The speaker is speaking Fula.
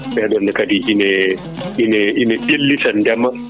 ɓeɗonne kadi ine ine ɓellita ndema